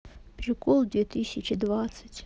прикол две тысячи двадцать